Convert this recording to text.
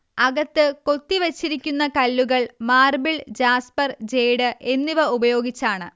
അകത്ത് കൊത്തി വച്ചിരിക്കുന്ന കല്ലുകൾ മാർബിൾ ജാസ്പർ ജേഡ് എന്നിവ ഉപയോഗിച്ചാണ്